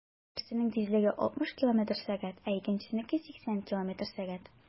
Берсенең тизлеге 60 км/сәг, ә икенчесенеке - 80 км/сәг.